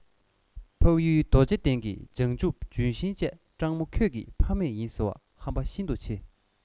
འཕགས ཡུལ རྡོ རྗེ གདན གྱི བྱང ཆུབ ལྗོན ཤིང བཅས སྤྲང མོ ཁྱོད ཀྱི ཕ མེས ཡིན ཟེར བ ཧམ པ ཤིན ཏུ ཆེ